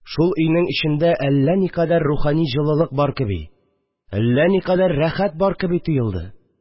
Шул өйнең эчендә әллә никадәр рухани җылылык бар кеби, әллә никадәр рәхәт бар кеби тоелды.